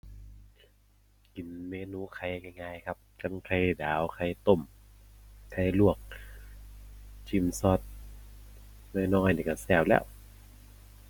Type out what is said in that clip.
กินเมนูไข่ง่ายง่ายครับ ทั้งไข่ดาว ไข่ต้ม ไข่ลวก จิ้มซอสน้อยน้อยนี่ก็แซ่บแล้ว